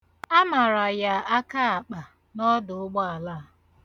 Amara ya akaakpa n'ọdụụgbọala a.